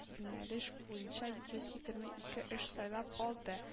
Юнәлеш буенча йоз егерме ике эш сайлап алды